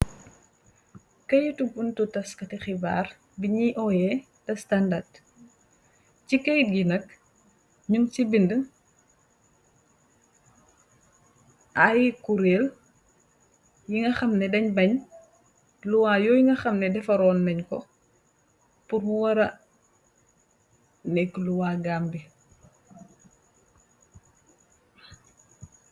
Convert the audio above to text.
Kayiti buntu tass kat i, xibaar bi ñuy woowe "The Standard".Ci kait nak, ñung ci bindë, ay kureel yi nga xam ne dañge bañge, luwaa yooy nga xam ne defaroon nange ko pur mu wara neekë luwaa, Gambi.